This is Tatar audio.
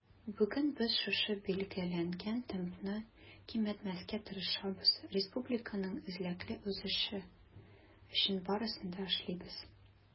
Бүген без шушы билгеләнгән темпны киметмәскә тырышабыз, республиканың эзлекле үсеше өчен барысын да эшлибез.